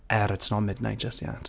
Er, it's not Midnight, just yet.